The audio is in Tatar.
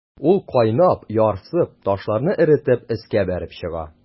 Ул кайнап, ярсып, ташларны эретеп өскә бәреп чыга.